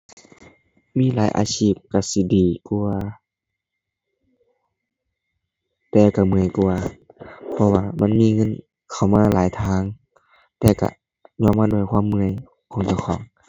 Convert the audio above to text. มีหลายอาชีพก็สิดีกว่าแต่ก็เมื่อยกว่า เพราะว่ามันเงินเข้ามาหลายทาง แต่ก็ญ้อนมาด้วยความเมื่อยของเจ้าของ